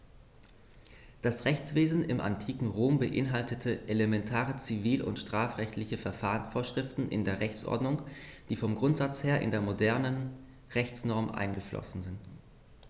Das Rechtswesen im antiken Rom beinhaltete elementare zivil- und strafrechtliche Verfahrensvorschriften in der Rechtsordnung, die vom Grundsatz her in die modernen Rechtsnormen eingeflossen sind.